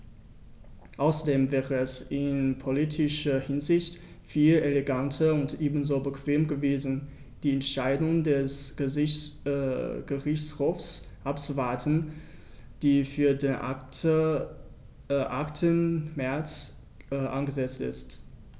Außerdem wäre es in politischer Hinsicht viel eleganter und ebenso bequem gewesen, die Entscheidung des Gerichtshofs abzuwarten, die für den 8. März angesetzt ist.